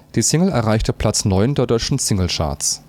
Die Single erreichte Platz neun der deutschen Singlecharts